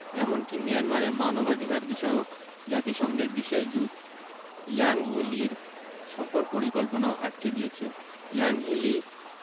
এমনকি মিয়ানমারে মানবাধিকারবিষয়ক জাতিসংঘের বিশেষ দূত ইয়াংহি লির সফর পরিকল্পনাও আটকে দিয়েছে ইয়াংহি লি